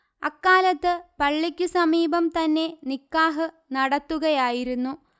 അക്കാലത്ത് പള്ളിക്കു സമീപം തന്നെ നിക്കാഹ് നടത്തുകയായിരുന്നു